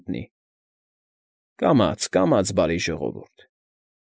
Մտնի։ ֊ Կամաց, կամաց, Բարի ժողովուրդ։